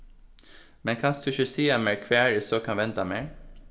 men kanst tú ikki siga mær hvar eg so kann venda mær